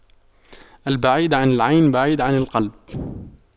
البعيد عن العين بعيد عن القلب